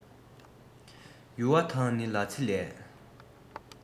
ཡུང བ དང ནི ཚ ལེ ལས